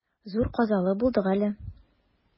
Зур казалы булдык әле.